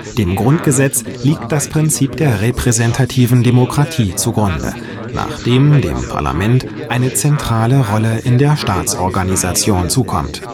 Dem Grundgesetz liegt das Prinzip der repräsentativen Demokratie zugrunde, nach dem dem Parlament eine zentrale Rolle in der Staatsorganisation zukommt